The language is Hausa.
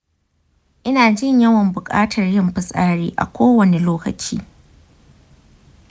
ina jin yawan buƙatar yin fitsari a kowane lokaci.